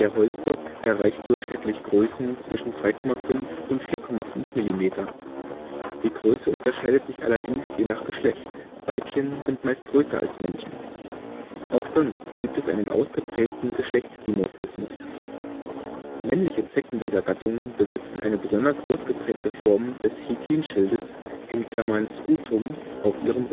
Holzbock (Ixodes ricinus) erreicht durchschnittlich Größen zwischen 2,5 und 4,5 Millimeter. Die Größe unterscheidet sich allerdings je nach Geschlecht; Weibchen sind meist größer als Männchen. Auch sonst gibt es einen ausgeprägten Geschlechtsdimorphismus. Männliche Zecken dieser Gattung besitzen eine besonders ausgeprägte Form des Chitinschildes (Scutum) auf ihrem